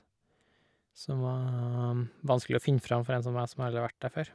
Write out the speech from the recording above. Som var vanskelig å finne fram for en som meg som aldri har vært der før.